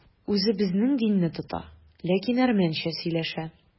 Үзе безнең динне тота, ләкин әрмәнчә сөйләшә.